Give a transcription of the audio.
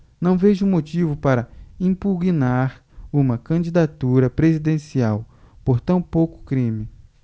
não vejo motivo para impugnar uma candidatura presidencial por tão pouco crime